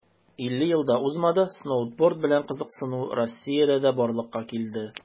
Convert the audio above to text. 50 ел да узмады, сноуборд белән кызыксыну россиядә дә барлыкка килде.